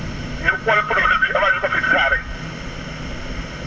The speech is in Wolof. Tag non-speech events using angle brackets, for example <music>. <noise> ñu xool produit bi avant ñu ko fiy wasaare <noise>